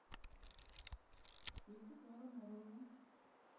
песня слава мэрлоу